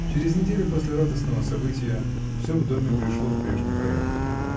Через неделю после радостного события всё в доме пришло в прежний порядок.